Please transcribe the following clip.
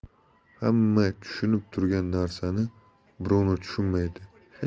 hamma tushunib turgan narsani bruno tushunmaydi hech